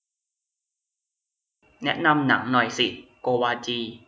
แนะนำหนังหน่อยสิโกวาจี